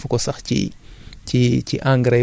daanaka bu ñu xoolee li ñu def ci phosphate